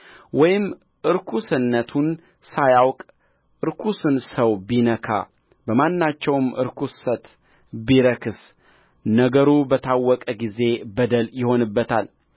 ወይም ርኩስነቱን ሳይውቅ ርኩስን ሰው ቢነካ በማናቸውም ርኵሰት ቢረክስ ነገሩ በታወቀ ጊዜ በደል ይሆንበታል